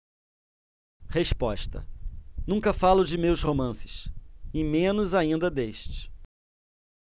resposta nunca falo de meus romances e menos ainda deste